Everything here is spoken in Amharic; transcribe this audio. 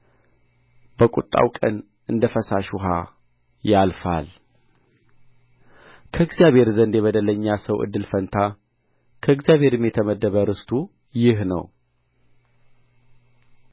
በቍጣው ቀን እንደ ፈሳሽ ውኃ ያልፋል ከእግዚአብሔር ዘንድ የበደለኛ ሰው እድል ፈንታ ከእግዚአብሔርም የተመደበ ርስቱ ይህ ነው